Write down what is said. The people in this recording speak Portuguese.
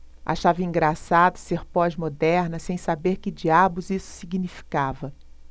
achava engraçado ser pós-moderna sem saber que diabos isso significava